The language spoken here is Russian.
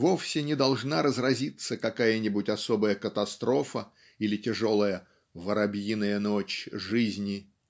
вовсе не должна разразиться какая-нибудь особая катастрофа или тяжелая "воробьиная ночь" жизни